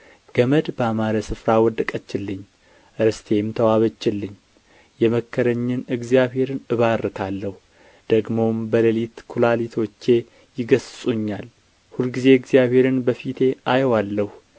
ገመድ ባማረ ስፍራ ወደቀችልኝ ርስቴም ተዋበችልኝ የመከረኝን እግዚአብሔርን እባርካለሁ ደግሞም በሌሊት ኵላሊቶቼ ይገሥጹኛል ሁልጊዜ እግዚአብሔርን በፊቴ አየዋለሁ